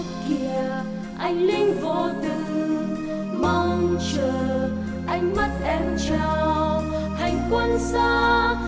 kìa anh lính vô tư mong chờ ánh mắt em trao hành quân xa